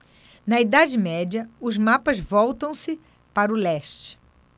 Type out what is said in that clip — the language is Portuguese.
na idade média os mapas voltam-se para o leste